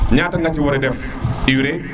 ñata nga si wara def urée